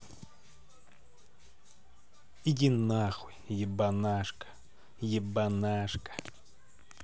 иди нахуй ебанашка ебанашка